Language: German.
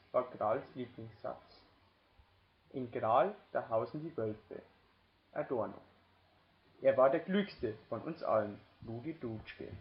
war Krahls Lieblingssatz. In Krahl, da hausen die Wölfe. Adorno Er war der Klügste von uns allen. Rudi Dutschke